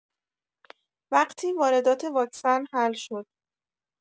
وقتی واردات واکسن حل شد